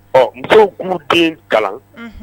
Ɔ muso g den kalan